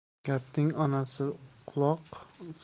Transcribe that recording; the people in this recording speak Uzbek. gapning onasi quloq